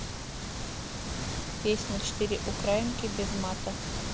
песня четыре украинки без мата